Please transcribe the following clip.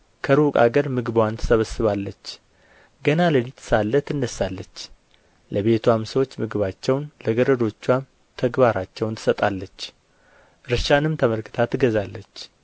ከሩቅ አገር ምግብዋን ትሰበስባለች ገና ሌሊት ሳለ ትነሣለች ለቤትዋም ሰዎች ምግባቸውን ለገረዶችዋም ተግባራቸውን ትሰጣለች እርሻንም ተመልክታ ትገዛለች